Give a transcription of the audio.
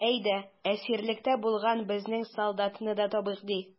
Әйдә, әсирлектә булган безнең солдатны да табыйк, ди.